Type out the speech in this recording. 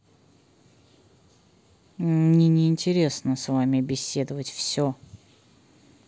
мне не интересно с вами беседовать все